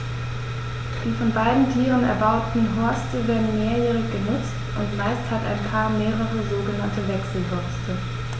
Die von beiden Tieren erbauten Horste werden mehrjährig benutzt, und meist hat ein Paar mehrere sogenannte Wechselhorste.